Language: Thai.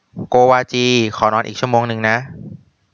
โกวาจีขอนอนอีกชั่วโมงนึงนะ